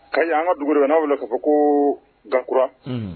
Ka an ka dugu n'aw' fɔ ko gakura